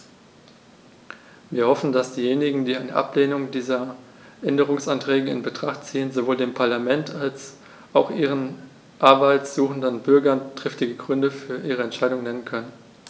Wir hoffen, dass diejenigen, die eine Ablehnung dieser Änderungsanträge in Betracht ziehen, sowohl dem Parlament als auch ihren Arbeit suchenden Bürgern triftige Gründe für ihre Entscheidung nennen können.